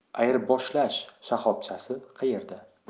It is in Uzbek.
ayirboshlash shaxobchasi qayerda